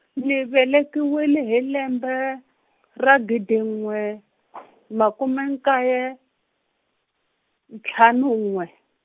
ni velekiwile hi lembe ra gidi n'we makume nkaye ntlhanu n'we.